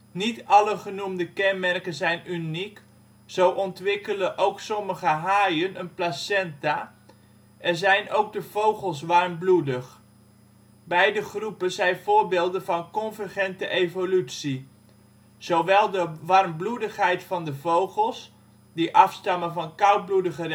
Niet alle genoemde kenmerken zijn uniek; zo ontwikkelen ook sommige haaien een placenta en zijn ook de vogels warmbloedig. Beide groepen zijn voorbeelden van convergente evolutie; zowel de warmbloedigheid van de vogels (die afstammen van koudbloedige